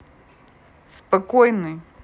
спокойный